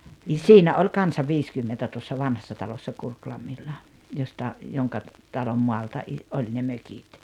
niin siinä oli kanssa viisikymmentä tuossa vanhassa talossa Kurkilammilla josta jonka talon maalta - oli ne mökit